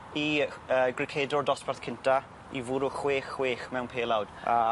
i yy gricedwr dosbarth cynta i fwrw chwech chwech mewn pêlawd a